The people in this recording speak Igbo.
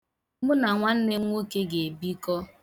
Mụ na nwanne m nwoke ga-ebikọ.